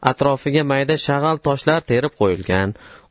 atrofiga mayda shag'al toshlar terib qo'yilgan